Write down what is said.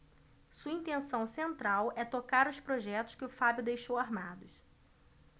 sua intenção central é tocar os projetos que o fábio deixou armados